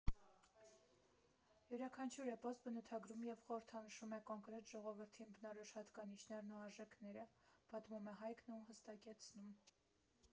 Յուրաքանչյուր էպոս բնութագրում և խորհրդանշում է կոնկրետ ժողովրդին բնորոշ հատկանիշներն ու արժեքները, պատմում է Հայկն ու հստակեցնում.